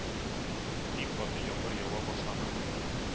Бик каты яңгыр ява башлаган.